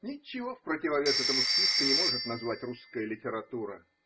Ничего в противовес этому списку не может назвать русская литература.